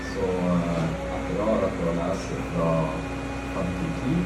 Så etter da rakk jeg å lese fra fem til ti.